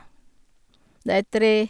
Det er tre...